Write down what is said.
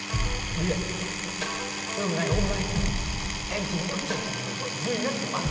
điện từ ngày hôm nay em chính thức trở thành người vợ duy nhất của anh